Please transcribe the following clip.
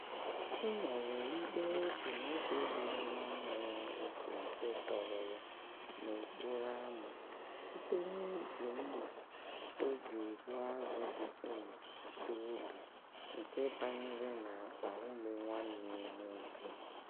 E nwere ikpe otu nwoke gburu nwanne ya nwoke nke tọrọ ya n'okporo ámá site n'iji mma e ji egbu azụ dị ịnchị itoolu nke banyere n'akpa ume nwanne ya nwoke.